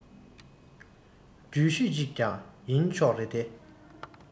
འགྲུལ བཞུད ཅིག ཀྱང ཡིན ཆོག རེད དེ